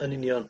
Yn union.